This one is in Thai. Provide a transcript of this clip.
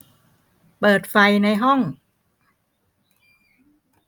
เปิดไฟในห้อง